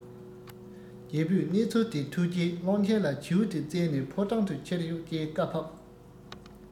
རྒྱལ པོས གནས ཚུལ དེ ཐོས རྗེས བློན ཆེན ལ བྱིའུ དེ བཙལ ནས ཕོ བྲང དུ ཁྱེར ཤོག ཅེས བཀའ ཕབ